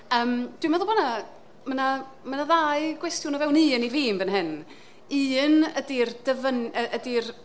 Yym dwi'n meddwl bod 'na... ma' 'na ma' 'na ddau gwestiwn o fewn un i fi yn fan hyn. Un ydy'r dyfyn- yy ydy'r...